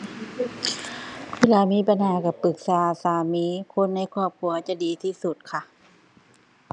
เวลามีปัญหาก็ปรึกษาสามีคนในครอบครัวจะดีที่สุดค่ะ